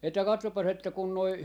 että katsopas että kun nuo